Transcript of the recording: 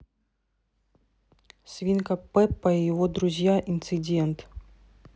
свинка пеппа и его друзья инцидент